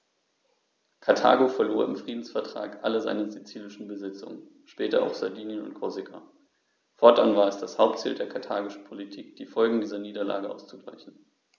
Karthago verlor im Friedensvertrag alle seine sizilischen Besitzungen (später auch Sardinien und Korsika); fortan war es das Hauptziel der karthagischen Politik, die Folgen dieser Niederlage auszugleichen.